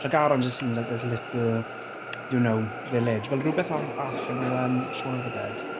Tregaron just seems like this little, you know, village. Fel rywbeth allan o o Shaun of the Dead.